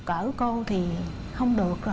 cỡ cô thì hông được rồi